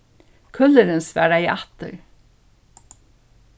kúllurin svaraði aftur